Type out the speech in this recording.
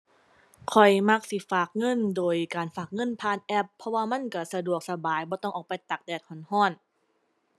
ข้อยมักสิฝากเงินโดยการฝากเงินผ่านแอป เพราะว่ามันก็สะดวกสบาย บ่ต้องออกไปตากแดดก็ก็